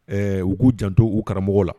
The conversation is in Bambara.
Ɛɛ u k'u jan to uu karamɔgɔ la